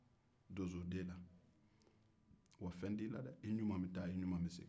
wa fɛn t'i la dɛ i ɲuman bɛ taa i ɲuman bɛ segin